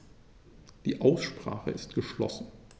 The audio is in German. Die Aussprache ist geschlossen.